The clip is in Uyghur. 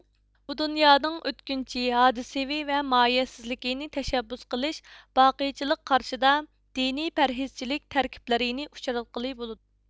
بۇ دۇنيانىڭ ئۆتكۈنچى ھادىسىۋى ۋە ماھىيەتسىزلىكىنى تەشەببۇس قىلىش باقىيچىلىق قارىشىدا دىنىي پەرھىزچىلىك تەركىبلىرىنى ئۇچراتقىلى بولىدۇ